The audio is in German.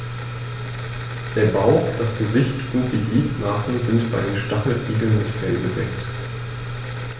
Der Bauch, das Gesicht und die Gliedmaßen sind bei den Stacheligeln mit Fell bedeckt.